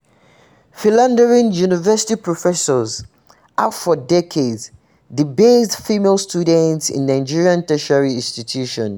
Philandering university professors have for decades debased female students in Nigerian tertiary institutions.